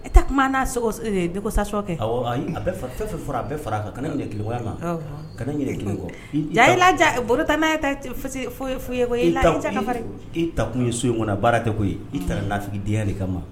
E ta kuma ko sasikɛ a fara a bɛɛ fara kan ka neya kan ka ne yɛrɛ kɔ ja la bolota n' foyikɔ e la e ta tun ye so in kɔnɔ a baara tɛ ko i taara n'ffi di de kama ma